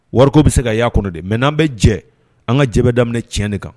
Wari ko bi se ka ya kɔnɔ de2. Mais nan bi jɛ an ka jɛ bɛ daminɛ tiɲɛ de kan